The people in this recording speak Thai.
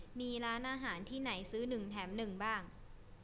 มีร้านอาหารที่ไหนซื้อหนึ่งแถมหนึ่งบ้าง